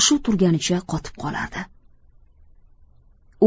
shu turganicha qotib qolardi